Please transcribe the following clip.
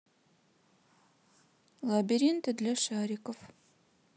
лабиринты для шариков